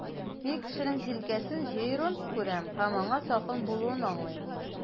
Мин кешенең җилкәсен җыеруын күрәм, һәм аңа салкын булуын аңлыйм.